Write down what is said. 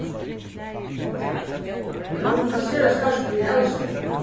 drongurin var sera skarpur í alisfrøði